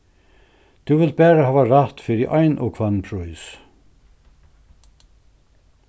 tú vilt bara hava rætt fyri ein og hvønn prís